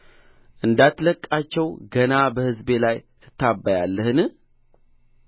እንዳትለቅቃቸው ገና በሕዝቤ ላይ ትታበያለህን